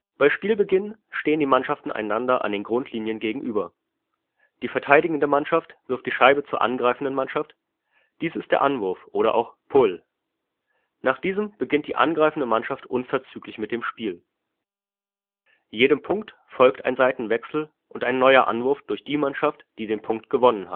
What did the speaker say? Bei Spielbeginn stehen die Mannschaften einander an den Grundlinien gegenüber. Die verteidigende Mannschaft wirft die Scheibe zur angreifenden Mannschaft, dies ist der Anwurf oder auch „ Pull “. Nach diesem beginnt die angreifende Mannschaft unverzüglich mit dem Spiel. Jedem Punkt folgt ein Seitenwechsel und ein neuer Anwurf durch die Mannschaft, die den Punkt gewonnen